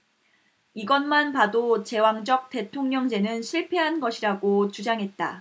이것만 봐도 제왕적 대통령제는 실패한 것이라고 주장했다